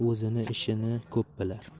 o'z ishini ko'p bilar